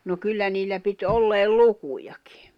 no kyllä niillä piti olleen lukujakin